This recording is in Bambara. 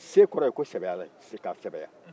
se kɔrɔ k'a sɛbɛya